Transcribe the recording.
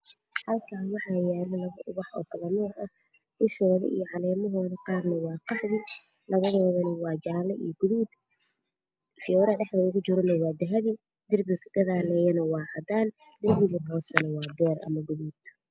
Halkan waxaa labo wax oo kalana ah kalalahooda waa jaalo guduud darbiga hoosena waa beer ama gudubtay